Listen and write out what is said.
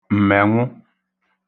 m̀mènwụ